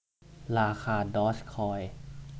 ราคาดอร์จคอย